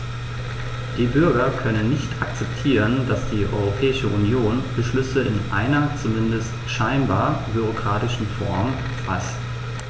Die Bürger können nicht akzeptieren, dass die Europäische Union Beschlüsse in einer, zumindest scheinbar, bürokratischen Form faßt.